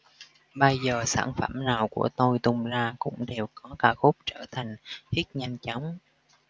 bây giờ sản phẩm nào của tôi tung ra cũng đều có ca khúc trở thành hit nhanh chóng